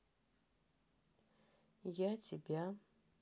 я тебя